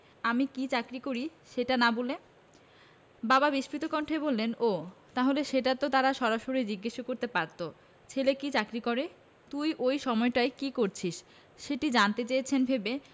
আমি কী চাকরি করি সেটা না বলে বাবা বিস্মিত কণ্ঠে বলল ও তাহলে সেটা তো তারা সরাসরি জিজ্ঞেস করতে পারত ছেলে কী চাকরি করে তুই ওই সময়টায় কী করছিস সেটি জানতে চেয়েছে ভেবে